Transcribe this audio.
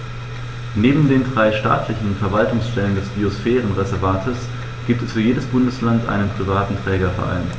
Neben den drei staatlichen Verwaltungsstellen des Biosphärenreservates gibt es für jedes Bundesland einen privaten Trägerverein.